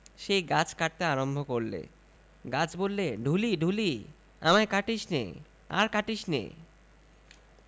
সেই গাছ কাটতে আরম্ভ করলে গাছ বললে ঢুলি ঢুলি আমায় কাটিসনে আর কাটিসনে